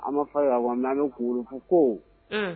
Ala ma fa wa n'an mɛn kuruf ko